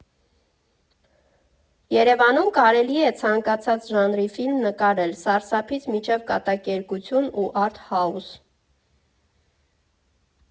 Երևանում կարելի է ցանկացած ժանրի ֆիլմ նկարել՝ սարսափից մինչև կատակերգություն ու արտ հաուս։